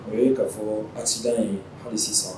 O ye k'a fɔ asi ye di sisan